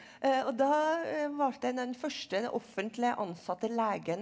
og da valgte en den første offentlig ansatte legen.